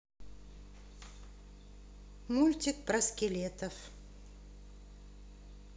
мультик про скелетов